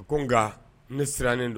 A ko nka ne sirannen don